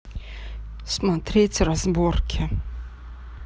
смотреть разборки